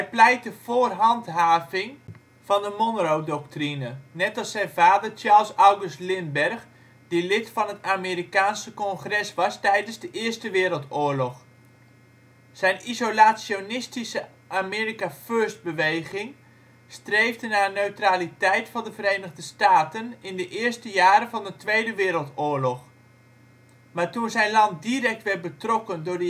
pleitte voor handhaving van de Monroe-doctrine, net als zijn vader Charles August Lindbergh die lid van het Amerikaanse Congres was tijdens de Eerste Wereldoorlog. Zijn isolationistische America First-beweging streefde naar neutraliteit van de Verenigde Staten in de eerste jaren van de Tweede Wereldoorlog. Maar toen zijn land direct werd betrokken door